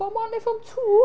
Form one neu form two?